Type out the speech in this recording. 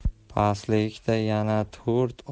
pastlikda yana to'rt